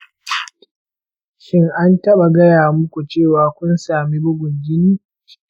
shin, an taɓa gaya muku cewa kun sami bugun jini?